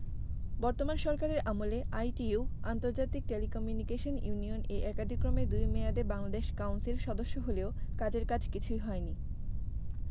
বর্তমান সরকারের আমলে আইটিইউ আন্তর্জাতিক টেলিকমিউনিকেশন ইউনিয়ন এ একাদিক্রমে দুই মেয়াদে বাংলাদেশ কাউন্সিল সদস্য হলেও কাজের কাজ কিছুই হয়নি